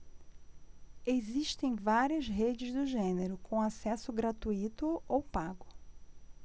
existem várias redes do gênero com acesso gratuito ou pago